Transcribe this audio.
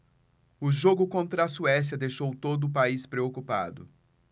o jogo contra a suécia deixou todo o país preocupado